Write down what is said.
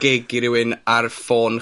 gig i rywun ar ffôn...